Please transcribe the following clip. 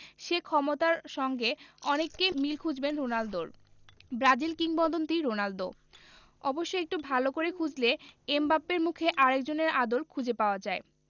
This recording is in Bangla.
সেই ক্ষমতার সঙ্গে অনেকে মিল খুঁজবেন রোনালদোর ব্রাজিল কিংবদন্তি রোনালদো অবশ্য একটু ভালো করে খুঁজলে এমবাপ্পের মুখে আরেকজনের আদল খুঁজে পাওয়া যায়